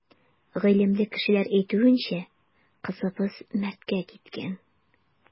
Гыйлемле кешеләр әйтүенчә, кызыбыз мәрткә киткән.